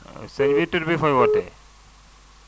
sëñ bi tur bi fooy wootee